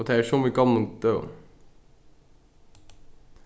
og tað er sum í gomlum døgum